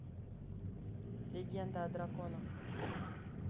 легенда о драконах